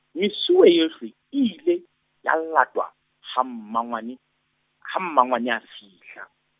mesuwe yohle, e ile, la latwa, ha mmangwane, ha mmangwane a fihla.